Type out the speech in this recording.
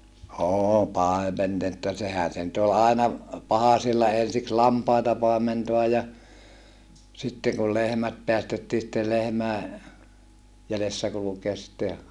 -- sehän se nyt oli aina pahasilla ensiksi lampaita paimentaa ja sitten kun lehmät päästettiin sitten lehmien jäljessä kulkea sitten